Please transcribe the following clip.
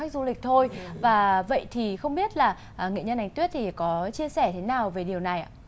khách du lịch thôi và vậy thì không biết là nghệ nhân ánh tuyết thì có chia sẻ thế nào về điều này ạ